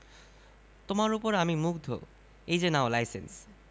তোমার উপর আমি মুগ্ধ এই যে নাও লাইসেন্স...